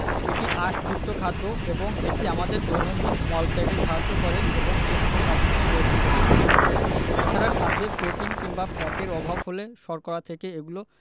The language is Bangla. এটি আঁশযুক্ত খাদ্য এবং এটি আমাদের দৈনন্দিন মল ত্যাগে সাহায্য করে এবং কোষ্ঠকাঠিন্য রোধ করে এছাড়া খাদ্যে প্রোটিন কিংবা ফ্যাটের অভাব হলে শর্করা থেকে এগুলো